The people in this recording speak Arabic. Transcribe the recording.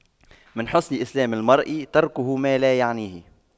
من حسن إسلام المرء تَرْكُهُ ما لا يعنيه